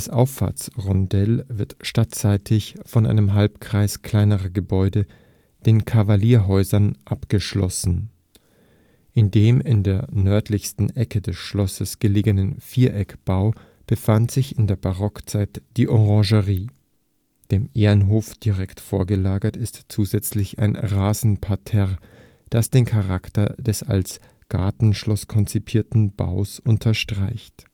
Auffahrtsrondell wird stadtseitig von einem Halbkreis kleinerer Gebäude, den Kavalierhäusern, abgeschlossen. In dem in der nördlichsten Ecke des Schlosses gelegenen Viereckbau befand sich in der Barockzeit die Orangerie. Dem Ehrenhof direkt vorgelagert ist zusätzlich ein Rasenparterre, das den Charakter des als Gartenschloss konzipierten Baues unterstreicht